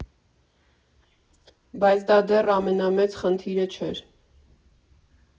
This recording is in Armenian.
Բայց դա դեռ ամենամեծ խնդիրը չէր։